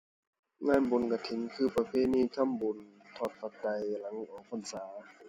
งานบุญกฐินคือประเพณีทำบุญ ทอดปัจจัยหลังออกพรรษา